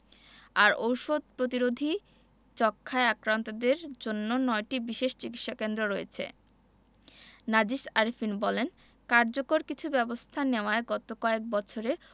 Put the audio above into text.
আর ওষুধ প্রতিরোধী যক্ষ্মায় আক্রান্তদের জন্য ৯টি বিশেষ চিকিৎসাকেন্দ্র রয়েছে নাজিস আরেফিন বলেন কার্যকর কিছু ব্যবস্থা নেয়ায় গত কয়েক বছরে